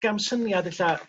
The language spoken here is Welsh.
gamsyniad ella